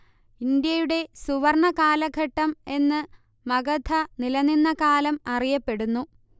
ഇന്ത്യയുടെ സുവർണ്ണ കാലഘട്ടം എന്ന് മഗധ നിലനിന്ന കാലം അറിയപ്പെടുന്നു